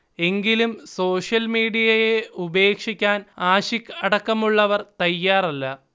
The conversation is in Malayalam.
എങ്കിലും സോഷ്യൽ മീഡിയയെ ഉപേക്ഷിക്കാൻ ആശിഖ് അടക്കമുള്ളവർ തയ്യാറല്ല